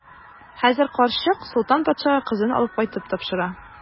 Хәзер карчык Солтан патшага кызын алып кайтып тапшыра.